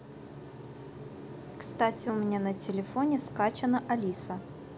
кстати у меня на телефоне скачана алиса